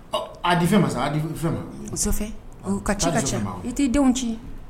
Ɔ aa di fɛn ma sa a di f fɛn ma Sɔfɛ oo ka ci ka can i t'i denw ci